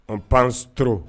N panan t